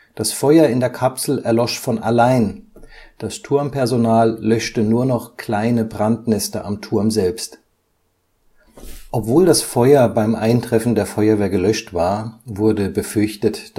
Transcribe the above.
Das Feuer in der Kapsel erlosch von allein, das Turmpersonal löschte nur noch kleine Brandnester am Turm selbst. Obwohl das Feuer beim Eintreffen der Feuerwehr gelöscht war, wurde befürchtet